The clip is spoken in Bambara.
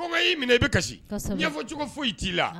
Y'i minɛ i bɛ kasi ɲɛfɔcogo foyi i t'i la